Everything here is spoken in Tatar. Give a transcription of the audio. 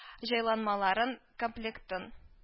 Җайланмаларын комплектын